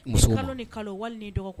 Muso kalo de kalo wali ni dɔgɔ